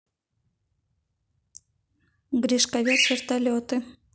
гришковец вертолеты